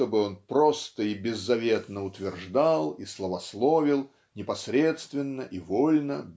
чтобы он просто и беззаветно утверждал и славословил непосредственно и вольно